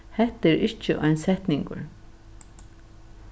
hetta er ikki ein setningur